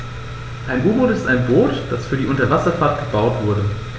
Ein U-Boot ist ein Boot, das für die Unterwasserfahrt gebaut wurde.